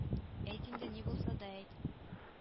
Әйт инде ни булса да әйт